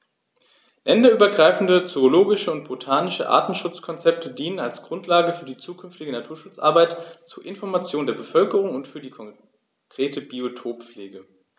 Länderübergreifende zoologische und botanische Artenschutzkonzepte dienen als Grundlage für die zukünftige Naturschutzarbeit, zur Information der Bevölkerung und für die konkrete Biotoppflege.